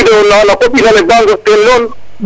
a ndokidna koɓ ino le ba ŋoɗ ten lool